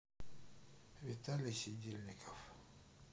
виталий сидельников